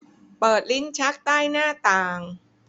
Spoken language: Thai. เปิดลิ้นชักใต้หน้าต่าง